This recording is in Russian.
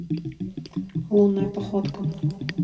лунная походка